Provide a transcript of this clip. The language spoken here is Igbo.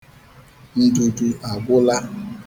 Ndudu agwụla.